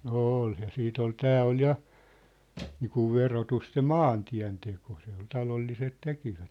no oli ja sitten oli tämä oli ja niin kuin verotusta se maantienteko se oli talolliset tekivät